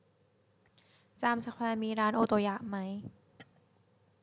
จามสแควร์มีร้านโอโตยะไหม